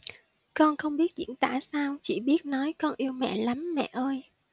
con không biết diễn tả sao chỉ biết nói con yêu mẹ lắm mẹ ơi